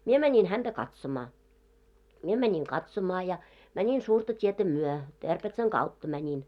minä menin häntä katsomaan minä menin katsomaan ja menin suurta tietä myöten Terpetsan kautta menin